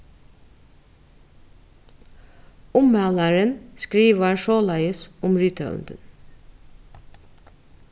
ummælarin skrivar soleiðis um rithøvundin